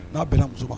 Na bɛn na muso ma.